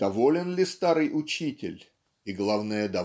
Доволен ли старый учитель и главное